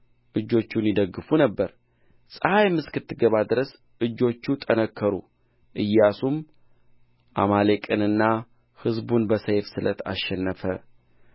እጆቹን ይደግፉ ነበር ፀሐይም እስክትገባ ድረስ እጆቹ ጠነከሩ ኢያሱም አማሌቅንና ሕዝቡን በሰይፍ ስለት አሸነፈ